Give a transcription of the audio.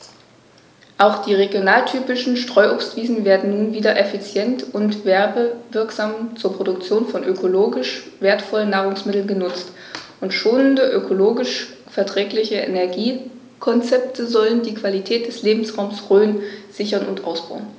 Auch die regionaltypischen Streuobstwiesen werden nun wieder effizient und werbewirksam zur Produktion von ökologisch wertvollen Nahrungsmitteln genutzt, und schonende, ökologisch verträgliche Energiekonzepte sollen die Qualität des Lebensraumes Rhön sichern und ausbauen.